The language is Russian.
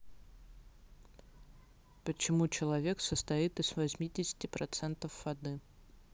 почему человек состоит из восьмидесяти процентов воды